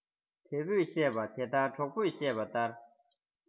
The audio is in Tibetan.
དེ ཕོས བཤད པ དེ ལྟར གྲོགས པོས བཤད པ ལྟར